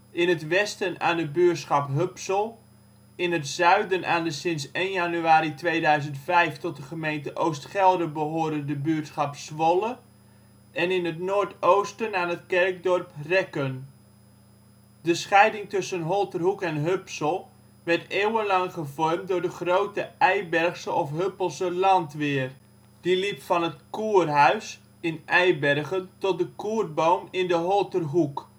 in het westen aan de buurschap Hupsel, in het zuiden aan de sinds 1 januari 2005 tot de gemeente Oost-Gelre behorende buurschap Zwolle en in het noord-oosten aan het kerkdorp Rekken. De scheiding tussen Holterhoek en Hupsel werd eeuwenlang gevormd door de Grote Eibergse of Hupselse landweer, die liep van het Koerhuis in Eibergen tot de Koerboom in de Holterhoek